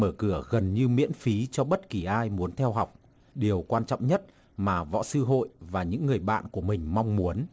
mở cửa gần như miễn phí cho bất kỳ ai muốn theo học điều quan trọng nhất mà võ sư hội và những người bạn của mình mong muốn